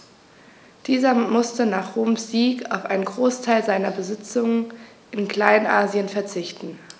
Dieser musste nach Roms Sieg auf einen Großteil seiner Besitzungen in Kleinasien verzichten.